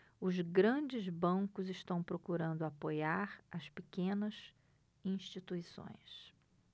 os grandes bancos estão procurando apoiar as pequenas instituições